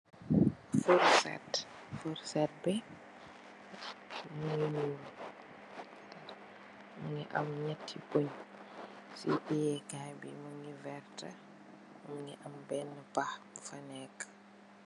Furset, furset bi moy lu, mingi am nyatti bej, si tiyeekay bi mingi werta, mingi am benne pax bu fa nekka.